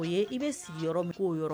O ye i bɛ sigiyɔrɔ yɔrɔ min' o yɔrɔ